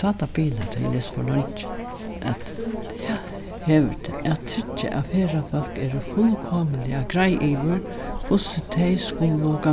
tá tað bilar tá eg lesi for leingi at ja hevur tað at tryggja at ferðafólk eru fullkomiliga greið yvir hvussu tey skulu